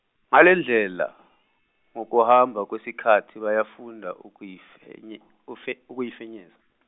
ngalendlela , ngokuhamba kwesikhathi bayafunda ukuyifenye- -ufe- ukufinyeza.